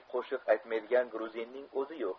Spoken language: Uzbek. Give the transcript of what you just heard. qo'shiq aytmaydigan gruzinning o'zi yo'q